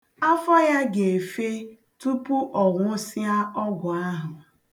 Afọ ya ga-efe ma tupu ọ ṅụsịa ọgwụ ahụ.